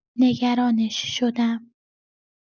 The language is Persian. نگرانش شدم.